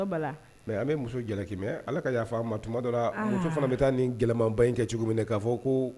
Fana taa in kɛ cogo